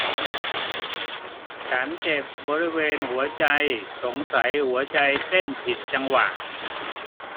ฉันเจ็บบริเวณหัวใจสงสัยหัวใจเต้นผิดจังหวะ